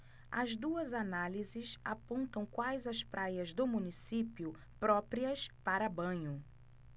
as duas análises apontam quais as praias do município próprias para banho